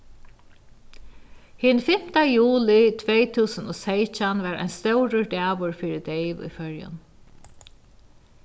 hin fimta juli tvey túsund og seytjan var ein stórur dagur fyri deyv í føroyum